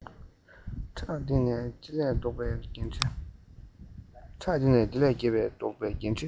ཕྲག སྟེང ན དེ ལས ལྡོག པའི འགན འཁྲི